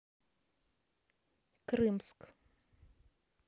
крымск